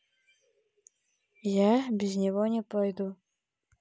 я без него не пойду